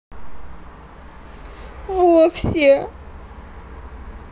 вовсе